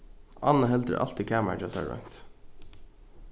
anna heldur altíð kamarið hjá sær reint